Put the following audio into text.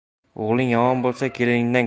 o'g'ling yomon bo'lsa keliningdan ko'r